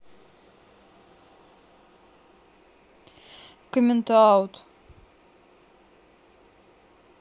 комент аут